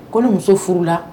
Ko ni muso furu la